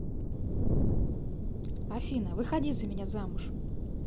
афина выходи за меня замуж